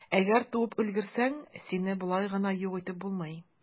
Әгәр туып өлгерсәң, сине болай гына юк итеп булмый.